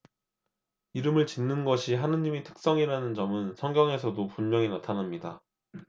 이름을 짓는 것이 하느님의 특성이라는 점은 성경에서도 분명히 나타납니다